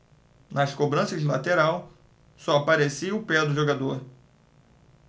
nas cobranças de lateral só aparecia o pé do jogador